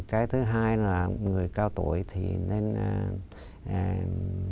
cái thứ hai là người cao tuổi thì nên à à